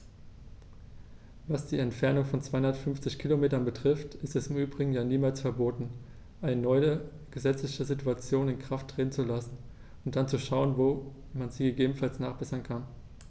Was die Entfernung von 250 Kilometern betrifft, ist es im Übrigen ja niemals verboten, eine neue gesetzliche Situation in Kraft treten zu lassen und dann zu schauen, wo man sie gegebenenfalls nachbessern kann.